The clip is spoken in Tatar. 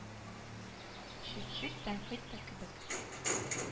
Чүт-чүт тәнкыйть тә кебек